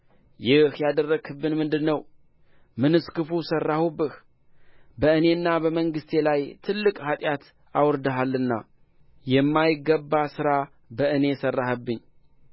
ይህ ያደረግህብን ምንድር ነው ምንስ ክፉ ሠራሁብህ በእኔና በመንግሥቴ ላይ ትልቅ ኃጢአት አውርደሃልና የማይገባ ሥራ በእኔ ሠራህብኝ